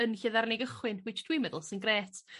yn lle ddaru ni gychwyn which dwi meddwl sy'n grêt.